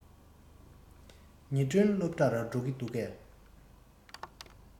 ཉི སྒྲོན སློབ གྲྭར འགྲོ གི འདུག གས